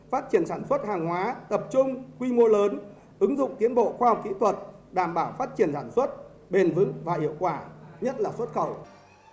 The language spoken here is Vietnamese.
phát triển sản xuất hàng hóa tập trung quy mô lớn ứng dụng tiến bộ khoa học kỹ thuật đảm bảo phát triển sản xuất bền vững và hiệu quả nhất là xuất khẩu